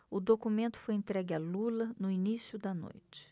o documento foi entregue a lula no início da noite